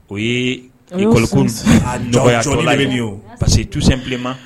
O yee école ko parce que tout simplement